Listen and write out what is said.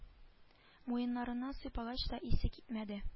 Муеннарыннан сыйпагач та исе китмәде